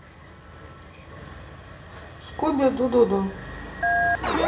скуби ду ду ду